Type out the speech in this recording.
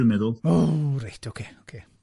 O reit, ocê, ocê.